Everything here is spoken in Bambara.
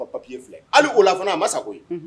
Kɔrɔ pa papier filɛ. Hali,o la fana a ma sa koyi.